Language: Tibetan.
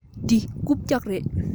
འདི རྐུབ བཀྱག རེད